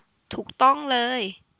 ถูกต้องเลย